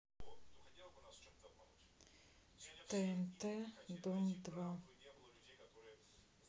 тнт дом два